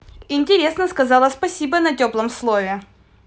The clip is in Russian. интересно сказала спасибо на теплом слове